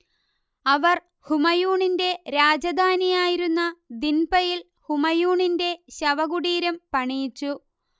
അവർ ഹുമയൂണിന്റെ രാജധാനിയായിരുന്ന ദിൻപയിൽ ഹുമയൂണിന്റെ ശവകുടീരം പണിയിച്ചു